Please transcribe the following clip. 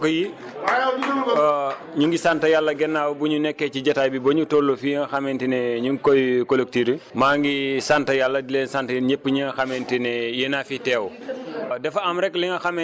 waaw mbokk yi ñu ngi sant yàlla gannaaw bu ñu nekkee ci jotaay bi ba ñu toll fii nga xamante ne ñu ngi koy cloturer maa ngi sant yàlla di leen sant yéen ñëpp ñi nga xamante ne yéen a fi teew